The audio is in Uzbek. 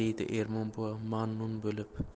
buva mamnun bo'lib